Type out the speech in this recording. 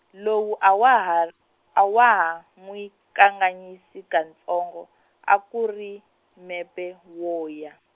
lowu a wa ha, a wa ha n'wi kanganyisi katsongo, a ku ri, mepe wo ya.